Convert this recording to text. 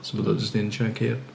So bod o jyst un chunk hir.